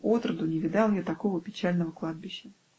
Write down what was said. Отроду не видал я такого печального кладбища.